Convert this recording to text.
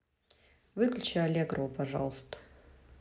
выключи аллегрову пожалуйста